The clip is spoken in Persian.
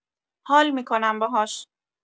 حال می‌کنم باهاش